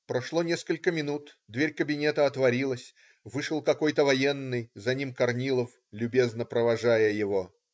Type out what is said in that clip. Прошло несколько минут, дверь кабинета отворилась: вышел какой-то военный, за ним Корнилов, любезно провожая его.